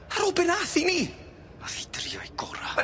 Ar ôl be' nath i ni? Nath hi drio'i gora'.